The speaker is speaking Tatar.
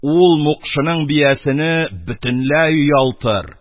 Ул мукшының биясене бөтенләй оялтыр...